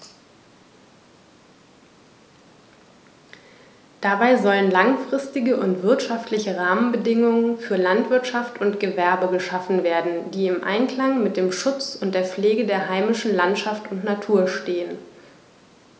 Dabei sollen langfristige und wirtschaftliche Rahmenbedingungen für Landwirtschaft und Gewerbe geschaffen werden, die im Einklang mit dem Schutz und der Pflege der heimischen Landschaft und Natur stehen.